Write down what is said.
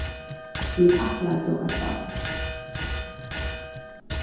vit ættleiddu eitt barn